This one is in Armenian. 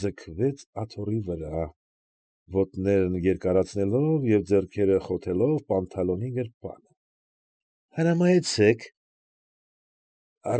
Ձգվեց աթոռի վրա, ոտներն երկարացնելով և ձեռքերը խոթելով պանթալոնի գրպանը։ ֊ Հրամայեցեք։ ֊